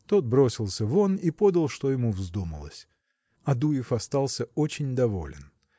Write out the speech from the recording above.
Тот бросился вон и подал, что ему вздумалось. Адуев остался очень доволен.